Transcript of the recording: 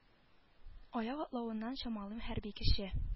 Аяк атлавыннан чамалыйм хәрби кеше